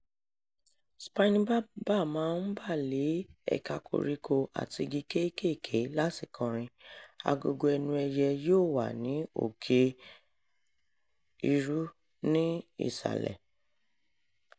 Spiny Babbler máa ń bà lé ẹ̀ka koríko àti igi kéékèèké láti kọrin, àgógó ẹnu ẹyẹ yóò wà ní òkè irú ní ìsàlẹ̀.